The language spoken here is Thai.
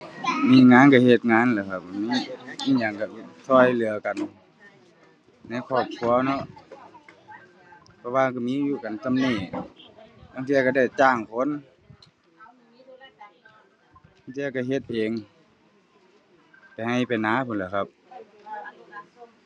มีงานก็เฮ็ดงานแหล้วครับ มี มีหยังก็ก็เหลือกัน ในครอบครัวเนาะ เพราะว่าก็มีอยู่กันส่ำนี้ ลางเทื่อก็ได้จ้างคน ลางเทื่อก็เฮ็ดเอง ไปก็ไปนาพู้นแหล้วครับ